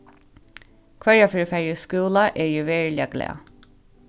hvørja ferð eg fari í skúla eri eg veruliga glað